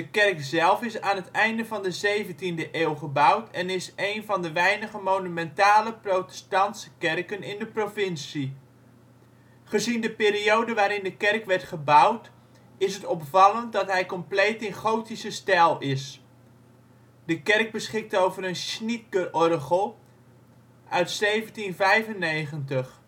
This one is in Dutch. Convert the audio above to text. kerk zelf is aan het einde van de zeventiende eeuw gebouwd en is een van de weinige monumentale protestantse kerken in de provincie. Gezien de periode waarin de kerk werd gebouwd is het opvallend dat hij compleet in gotische stijl is. De kerk beschikt over een Schnitgerorgel uit 1795. Zie Kerk van Harkstede voor het hoofdartikel over dit onderwerp. Een